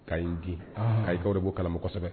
K ka'i gɛn k' dɔw de b bɔ kalasɛbɛ